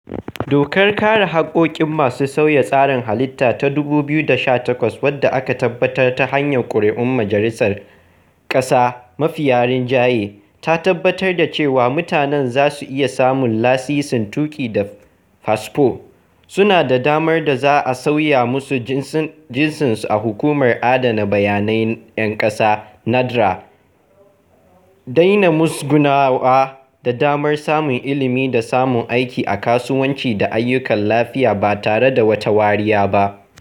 Dokar (Kare Haƙƙoƙin) masu sauya tsarin halitta ta 2018 wadda aka tabbatar ta hanyar ƙuri'un majalisar ƙasa mafiya rinjaye, ta tabbatar da cewa mutanen za su iya samun lasisin tuƙi da fasfo, suna da damar da za a sauya musu jinsinsu a Hukumar Adana Bayanan 'Yan ƙasa (NADRA), daina musgunawa da damar samun ilimi da samun aiki a kasuwanci da ayyukan lafiya ba tare da wata wariya ba.